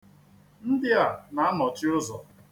Ndị a na-anọchi ụzọ.